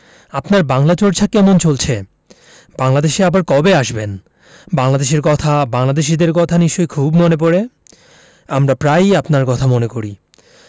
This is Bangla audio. আপনার বাংলা চর্চা কেমন চলছে বাংলাদেশে আবার কবে আসবেন বাংলাদেশের কথা বাংলাদেশীদের কথা নিশ্চয় খুব মনে পরে আমরা প্রায়ই আপনারর কথা মনে করি